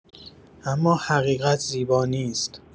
اما حقیقت زیبا نیست!